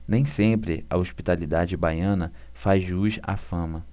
nem sempre a hospitalidade baiana faz jus à fama